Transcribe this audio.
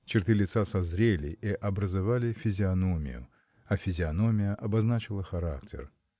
Черты лица созрели и образовали физиономию а физиономия обозначила характер.